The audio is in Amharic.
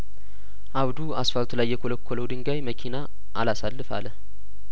አብዱ አስፋልቱ ላይ የኰለኰ ለው ድንጋይመኪና አላ ሳልፍ አለ